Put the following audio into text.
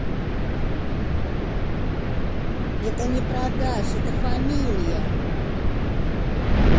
это не продашь это фамилия